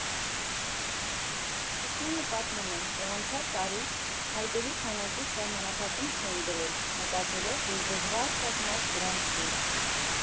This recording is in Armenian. Շուշանը պատմում է, որ անցյալ տարի հայտերի քանակի սահմանափակում չէին դրել՝ մտածելով, որ դժվար շատ մարդ գրանցվի։